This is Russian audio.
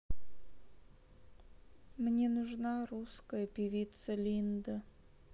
мне нужна русская певица линда